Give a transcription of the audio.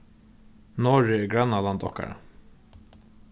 noreg er grannaland okkara